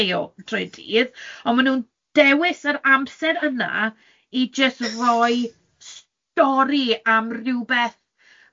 chi o, trwy'r dydd, ond maen nhw'n dewis yr amser yna i jyst rhoi stori am rywbeth.